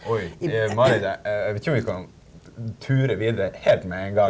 oi Marit jeg vet ikke om vi kan ture videre helt med en gang.